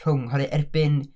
rhwng oherwydd erbyn...